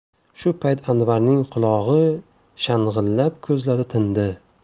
shu payt anvarning qulog'i shang'illab ko'zlari tindi